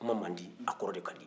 kuma man di a kɔrɔ de ka di